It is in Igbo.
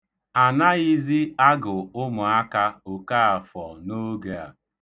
Anaghịzi agụ ụmụaka Okaafọ n'oge a.